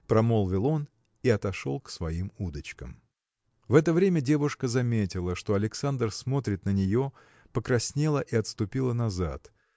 – промолвил он и отошел к своим удочкам. В это время девушка заметила что Александр смотрит на нее покраснела и отступила назад.